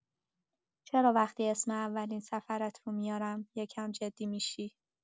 چرا وقتی اسم اولین سفرت رو میارم، یه کم جدی می‌شی؟